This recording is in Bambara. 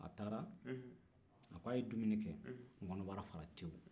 a taara a k'a ye dumuni kɛ n kɔnɔbara fara tewu